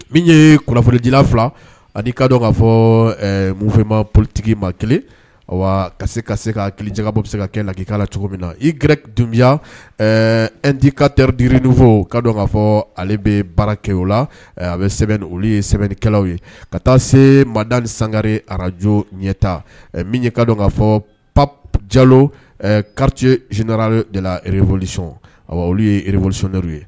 Min ye kunnafonidila fila anii ka k'a fɔ mufɛma politigi ma kelen ka se ka se ka kelen jabɔ bɛ se ka kɛ la k'i'a la cogo min na i gɛrɛ dunbiya ndi ka teridrinfɔ ka dɔn k'a fɔ ale bɛ baara kɛ o la a bɛ sɛbɛn olu ye sɛbɛnnikɛlaw ye ka taa se mada ni sangare arajo ɲɛta min ka dɔn ka fɔ pap jalo kariti zinare de repsisɔn olu ye repsionɛw ye